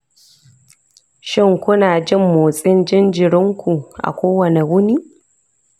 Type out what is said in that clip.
shin ku na jin motsin jinjirinku a kowane wuni